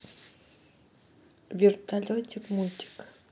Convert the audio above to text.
вертолетик мультик